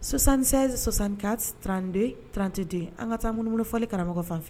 Sɔsankisɛ sɔsanka tranterante an ka taa ŋumunifɔ fɔli karamɔgɔmɔgɔ fanfɛ